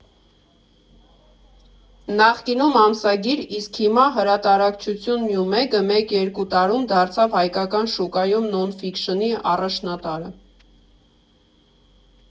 Նախկինում ամսագիր, իսկ հիմա հրատարակչություն Նյումեգը մեկ֊երկու տարում դարձավ հայկական շուկայում նոն֊ֆիքշնի առաջատարը։